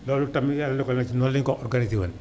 loolu itam yàlla defal na ci noonu la ñu ko organisé woon